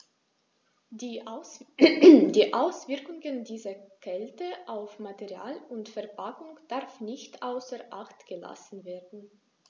Die Auswirkungen dieser Kälte auf Material und Verpackung darf nicht außer acht gelassen werden.